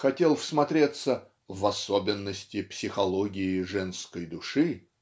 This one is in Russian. хотел всмотреться "в особенности психологии женской души"